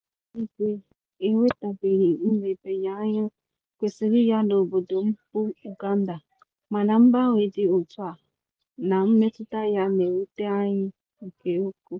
Mmetụta nke mgbanwe ihuigwe enwetabeghị nlebanyeanya kwesịrị ya n'obodo m bụ Uganda mana mgbanwe dị otú a na mmetụta ya na-ewute anyị nke ukwuu.